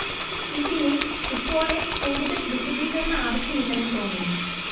ഇതിനി ഇപ്പോളെ കൂടുതല്‍ വിശദീകരണ ആവശ്യമില്ലെന്ന് തോന്നുന്നു